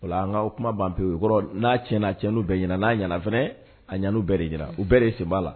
Kuma ban pewu o kɔrɔ n'a ti cɛu bɛɛ ɲin n'a ɲɛnaana fana a ɲu bɛɛ de jira u bɛɛ de sen' la